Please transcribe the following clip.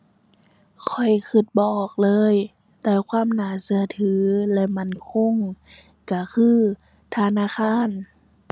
ข้อยคิดบ่ออกเลย แต่ความน่าคิดถือและมั่นคง คิดคือธนาคาร